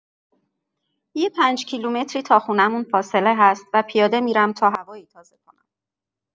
یه پنج‌کیلومتری تا خونه‌مون فاصله هست و پیاده می‌رم تا هوایی تازه کنم.